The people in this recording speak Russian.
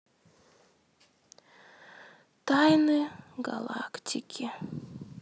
тайны галактики